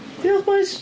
Diolch bois.